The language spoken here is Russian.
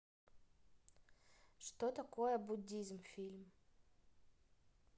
что такое буддизм фильм